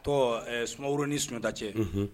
A ɛɛ sumaworoworo ni sunta cɛ